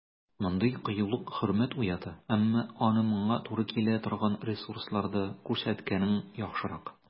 Мондый кыюлык хөрмәт уята, әмма аны моңа туры килә торган ресурсларда күрсәткәнең яхшырак.